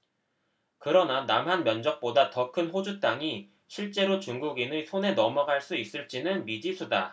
그러나 남한 면적보다 더 큰 호주 땅이 실제로 중국인의 손에 넘어갈 수 있을 지는 미지수다